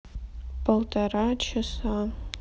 полтора часа